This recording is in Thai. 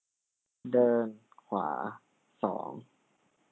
เดินขวาสอง